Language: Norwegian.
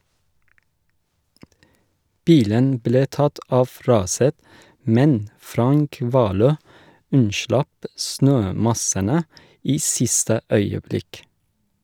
Bilen ble tatt av raset, men Frank Valø unnslapp snømassene i siste øyeblikk.